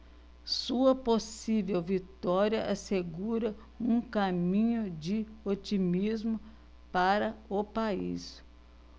sua possível vitória assegura um caminho de otimismo para o país